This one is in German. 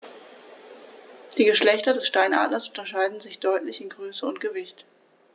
Die Geschlechter des Steinadlers unterscheiden sich deutlich in Größe und Gewicht.